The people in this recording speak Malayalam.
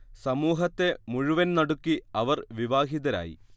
സമൂഹത്തെ മുഴുവൻ നടുക്കി അവർ വിവാഹിതരായി